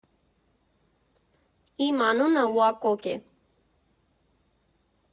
Իմ անունը Ուակոկ է։